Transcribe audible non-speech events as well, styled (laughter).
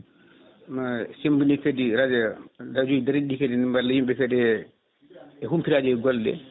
ma simbini kadi (hesitation) gaadi dariɓe ɗi kadi ne mballa yimɓe kadi e humpitade e golle ɗe